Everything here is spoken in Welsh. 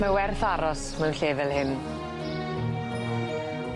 Mae werth aros mewn lle fel hyn.